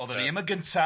Oedden ni yma gynta.